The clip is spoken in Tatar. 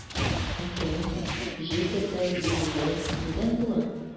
Әткәй, җир тетрәү, зилзилә нидән була?